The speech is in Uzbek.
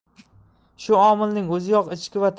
shu omilning o'ziyoq ichki va tashqi